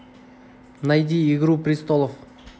найди игру престолов